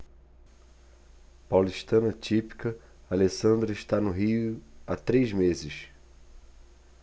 paulistana típica alessandra está no rio há três meses